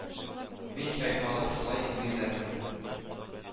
Мин чайкалып шулай йөзәрмен.